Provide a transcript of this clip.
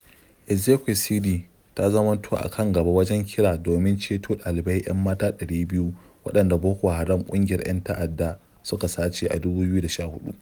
Ezekwesili ta zamanto a kan gaba wajen kira domin a ceto ɗalibai 'yan mata 200 waɗanda Boko Haram ƙungiyar 'yan ta'adda suka sace a 2014.